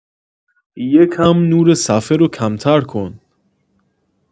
یه کم‌نور صفحه رو کمتر کن